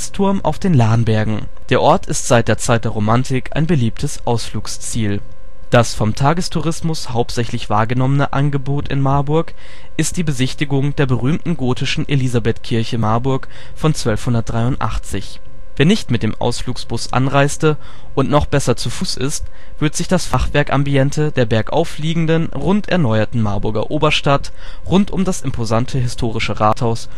auf den Lahnbergen. Der Ort ist seit der Zeit der Romantik ein beliebtes Ausflugsziel. Das vom Tagestourismus hauptsächlich wahrgenommene Angebot in Marburg ist die Besichtigung der berühmten gotischen Elisabethkirche (Marburg) von 1283. Wer nicht mit dem Ausflugsbus anreiste und noch besser zu Fuß ist, wird sich das Fachwerk-Ambiente der bergauf liegenden runderneuerten Marburger Oberstadt rund um das imposante historische Rathaus